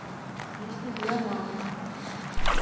песни для мамы